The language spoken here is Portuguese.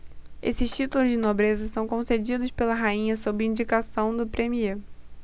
esses títulos de nobreza são concedidos pela rainha sob indicação do premiê